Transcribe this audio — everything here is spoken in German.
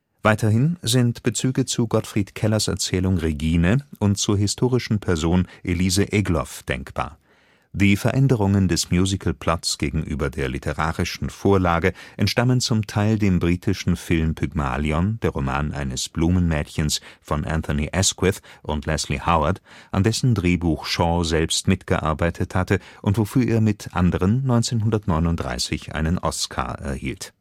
Weiterhin sind Bezüge zu Gottfried Kellers Erzählung " Regine " und zur historischen Person Elise Egloff denkbar. Die Veränderungen des Musical-Plots gegenüber der literarischen Vorlage entstammen zum Teil dem britischen Film Pygmalion – Der Roman eines Blumenmädchens von Anthony Asquith und Leslie Howard, an dessen Drehbuch Shaw selbst mitgearbeitet hatte und wofür er m.a. 1939 einen Oscar erhielt